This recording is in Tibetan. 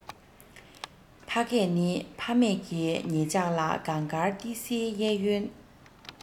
ཕ སྐད ནི ཕ མེས ཀྱིས ངེད ཅག ལ གངས དཀར ཏི སིའི གཡས གཡོན